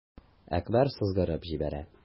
Әкбәр сызгырып җибәрә.